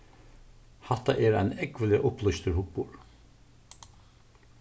hatta er ein ógvuliga upplýstur hugburður